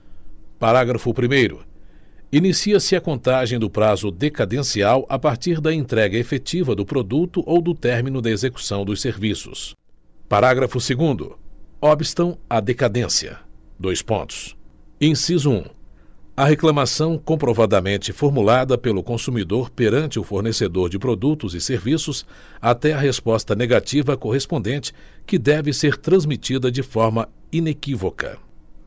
parágrafo primeiro inicia se a contagem do prazo decadencial a partir da entrega efetiva do produto ou do término da execução dos serviços parágrafo segundo obstam a decadência dois pontos inciso um a reclamação comprovadamente formulada pelo consumidor perante o fornecedor de produtos e serviços até a resposta negativa correspondente que deve ser transmitida de forma inequívoca